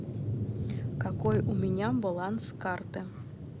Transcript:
какой у меня баланс карты